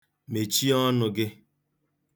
Mechie ọnụ gi.